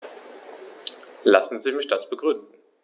Lassen Sie mich das begründen.